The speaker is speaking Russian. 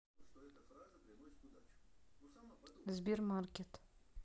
сбермаркет